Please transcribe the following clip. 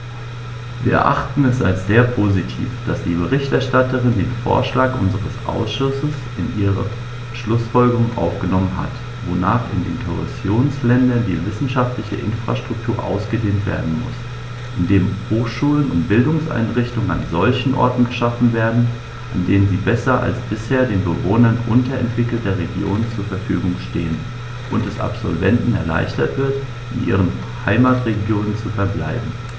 Wir erachten es als sehr positiv, dass die Berichterstatterin den Vorschlag unseres Ausschusses in ihre Schlußfolgerungen aufgenommen hat, wonach in den Kohäsionsländern die wissenschaftliche Infrastruktur ausgedehnt werden muss, indem Hochschulen und Bildungseinrichtungen an solchen Orten geschaffen werden, an denen sie besser als bisher den Bewohnern unterentwickelter Regionen zur Verfügung stehen, und es Absolventen erleichtert wird, in ihren Heimatregionen zu verbleiben.